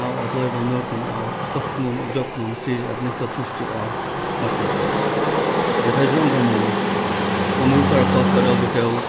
av at loyva nøkrum av fólkunum ígjøgnum fyri at linka trýstið á marknastøðini men tað ger ongan mun og nú fara fólk at rópa í kór